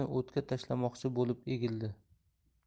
o'tga tashlamoqchi bo'lib egildi